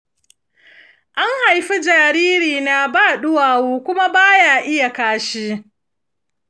an haifi jaririna ba duwawu kuma ba ya iya yin kashi.